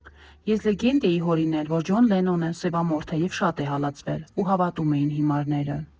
Ես լեգենդ էի հորինել, որ Ջոն Լենոնը սևամորթ է և շատ է հալածվել։ Ու հավատում էին հիմարները։